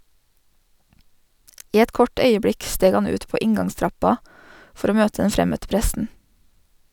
I et kort øyeblikk steg han ut på inngangstrappa for å møte den fremmøtte pressen.